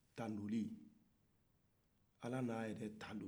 tanuli ala y'a yɛrɛ tanu